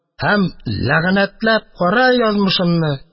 Һәм, ләгънәтләп кара язмышымны